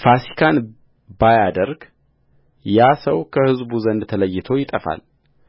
ፋሲካን ባያደርግ ያ ሰው ከሕዝቡ ዘንድ ተለይቶ ይጠፋል